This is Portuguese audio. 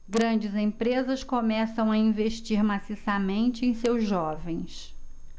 grandes empresas começam a investir maciçamente em seus jovens